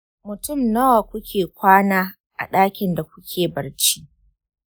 mutum nawa kuke kwana a ɗakin da kuke barci?